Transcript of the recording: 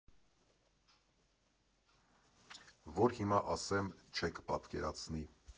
Որ հիմա ասեմ՝ չեք պատկերացնի։